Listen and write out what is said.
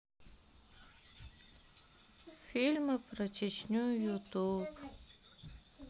фильмы про чечню ютуб